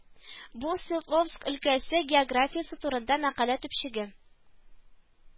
Бу Свердловск өлкәсе географиясе турында мәкалә төпчеге